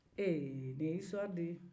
ee ni ye isitɔri de ye